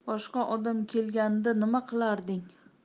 boshqa odam kelganda nima qilarding